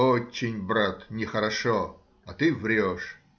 — Очень, брат, нехорошо, а ты врешь.